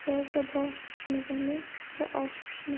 yozda boshi pishmaganning qishda oshi pishmas